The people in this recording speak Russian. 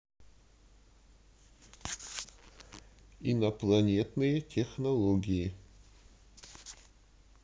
инопланетные технологии